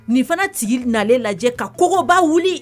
Nin fana sigi nalen lajɛ ka kogoba wuli